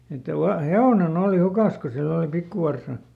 että - hevonen oli hukassa kun sillä oli pikkuvarsa